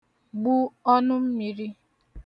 gbụ ọnụ mmiri